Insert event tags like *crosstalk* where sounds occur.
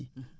*hesitation* *hesitation*